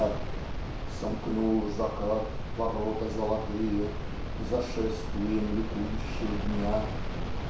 как Сомкнул закат ворота золотые За шествием ликующего дня